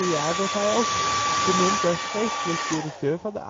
jaar werd hij ook benoemd als geestelijk directeur van